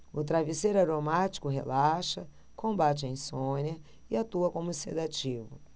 o travesseiro aromático relaxa combate a insônia e atua como sedativo